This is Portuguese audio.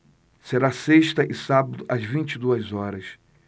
será sexta e sábado às vinte e duas horas